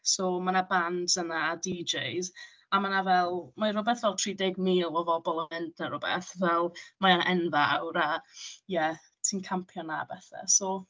So ma' 'na bands yna a DJs , a ma' 'na fel mae rhywbeth fel tri deg mil o bobl yn mynd neu rywbeth. Fel mae'n enfawr a ie ti'n campio yna a bethe, so...